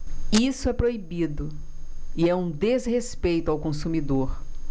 isso é proibido e é um desrespeito ao consumidor